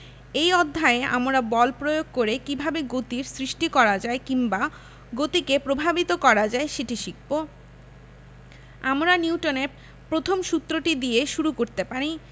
এই অধ্যায়ে আমরা বল প্রয়োগ করে কীভাবে গতির সৃষ্টি করা যায় কিংবা গতিকে প্রভাবিত করা যায় সেটি শিখব আমরা নিউটনের প্রথম সূত্রটি দিয়ে শুরু করতে পারি